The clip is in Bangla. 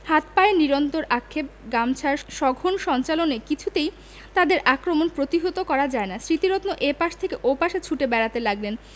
হাত পায়ের নিরন্তর আক্ষেপে গামছার সঘন সঞ্চালনে কিছুতেই তাদের আক্রমণ প্রতিহত করা যায় না স্মৃতিরত্ন এ পাশ থেকে ও পাশে ছুটে বেড়াতে লাগলেন